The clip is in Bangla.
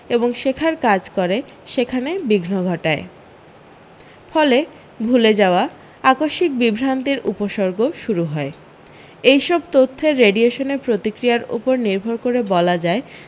এবং শেখার কাজ করে সেখানে বিঘ্ন ঘটায় ফলে ভুলে যাওয়া এবং আকস্মিক বিভ্রান্তির উপসর্গ শুরু হয় এইসব তথ্যের রেডিয়েশনের প্রতিক্রিয়া ওপর নির্ভর করে বলা যায়